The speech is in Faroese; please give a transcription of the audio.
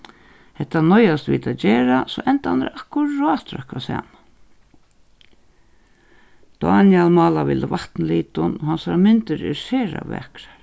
hetta noyðast vit at gera so endarnir akkurát røkka saman dánjal málar við vatnlitum og hansara myndir eru sera vakrar